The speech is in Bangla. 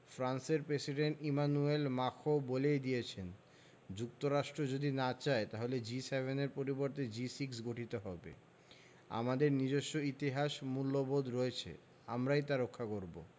ফ্রান্সের প্রেসিডেন্ট ইমানুয়েল মাখোঁ বলেই দিয়েছেন যুক্তরাষ্ট্র যদি না চায় তাহলে জি সেভেন এর পরিবর্তে জি সিক্স গঠিত হবে আমাদের নিজস্ব ইতিহাস মূল্যবোধ রয়েছে আমরাই তা রক্ষা করব